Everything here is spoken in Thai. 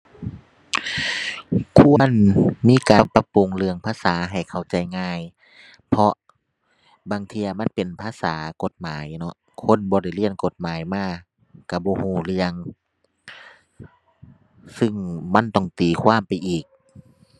ควรมีการปรับปรุงเรื่องภาษาให้เข้าใจง่าย เพราะ บางเที่ยมันเป็นภาษากฎหมายเนาะ คนบ่ได้เรียนกฎหมายมาก็บ่ก็เรื่อง ซึ่งมันต้องตีความไปอีก